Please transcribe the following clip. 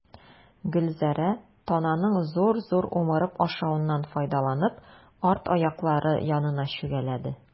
Гөлзәрә, тананың зур-зур умырып ашавыннан файдаланып, арт аяклары янына чүгәләде.